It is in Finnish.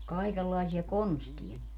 kaikenlaisia konsteja niillä oli